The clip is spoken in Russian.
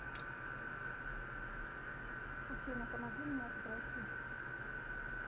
афина помоги мне это пройти